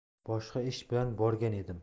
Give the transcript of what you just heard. boshqa ish bilan borgan edim